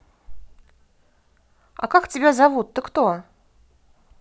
а как тебя зовут ты кто